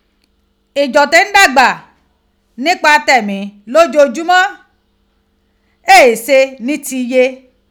ijo ti n dagba nipa temi lojoojumo, e e se niti iye.